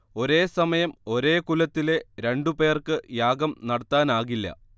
ഒരേ സമയം ഒരേ കുലത്തിലെ രണ്ടുപേർക്ക് യാഗം നടത്താനാകില്ല